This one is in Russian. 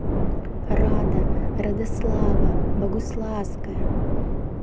рада радослава богуславская